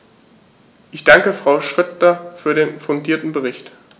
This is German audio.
Ich danke Frau Schroedter für den fundierten Bericht.